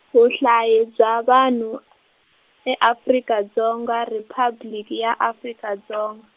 Vuhlayi bya Vanhu, e Afrika Dzonga Riphabliki ya Afrika Dzong-.